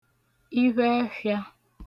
ivheẹfhịā